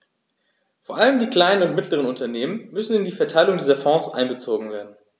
Vor allem die kleinen und mittleren Unternehmer müssen in die Verteilung dieser Fonds einbezogen werden.